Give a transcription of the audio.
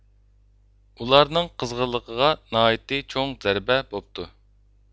ئۇلارنىڭ قىزغىنلىقىغا ناھايىتى چوڭ زەربە بوپتۇ